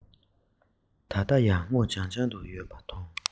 ད ལྟ ཡང སྔོ ལྗང ལྗང དུ ཡོད པ མཐོང